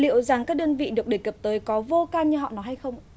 liệu rằng các đơn vị được đề cập tới có vô can như họ nói hay không ạ